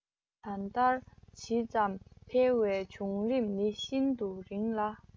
ད ལྟར ཇི ཙམ འཕེལ བའི བྱུང རིམ ནི ཤིན ཏུ རིང ལ